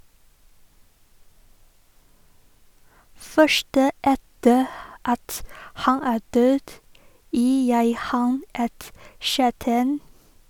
"Først etter at han er død, gir jeg han et kjærtegn."